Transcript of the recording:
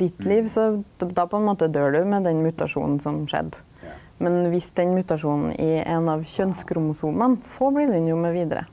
ditt liv så då på ein måte døyr du med den mutasjonen som skjedde, men viss den mutasjonen i ein av kjønnskromosoma så blir den jo med vidare.